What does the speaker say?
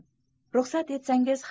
ruxsat etasiz